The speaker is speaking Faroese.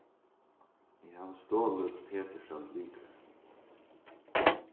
eg havi stolið petursa lyklar